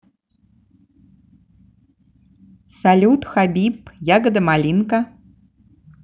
салют хабиб ягода малинка